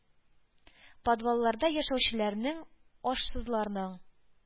Подвалларда яшәүчеләрнең, ашсызларның,